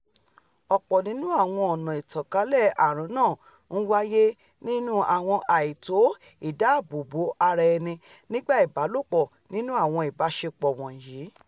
Ọ̀pọ̀ nínú àwọn ọ̀nà ìtànkálẹ̀ ààrùn náà ńwá láti inú àwọn àìtó ìdáààbòbò ara ẹni nígbà ìbálòpọ̀ nínú àwọn ìbáṣepọ̀ wọ̀nyí.